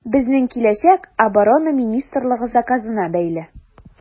Безнең киләчәк Оборона министрлыгы заказына бәйле.